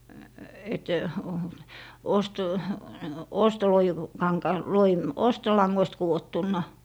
että ---- ostolangoista kudottuna